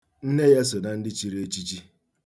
Nne ya so na ndị chiri echichi.